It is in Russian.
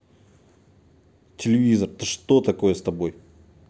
телевизор что такое с тобой